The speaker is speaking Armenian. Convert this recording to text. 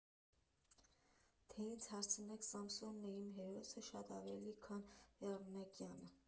Թե ինձ հարցնեք՝ Սամսոնն է իմ հերոսը, շատ ավելի, քան Էռնեկյանը։